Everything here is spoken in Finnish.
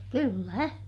kyllä